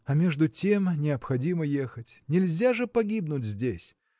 А между тем необходимо ехать: нельзя же погибнуть здесь!